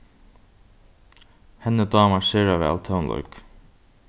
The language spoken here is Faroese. henni dámar sera væl tónleik